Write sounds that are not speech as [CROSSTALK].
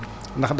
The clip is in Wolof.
[HESITATION] [HESITATION]